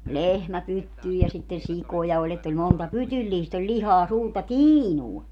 lehmä pyttyyn ja sitten sikoja oli että oli monta pytyllistä oli lihaa suurta tiinua